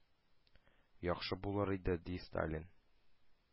Яхшы булыр иде» ди сталин.